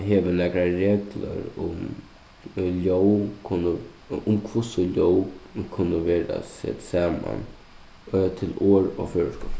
hevur nakrar reglur um ljóð kunnu um hvussu ljóð kunnu verða sett saman til orð á føroyskum